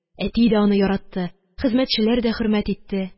Әти дә аны яратты, хезмәтчеләр дә хөрмәт итте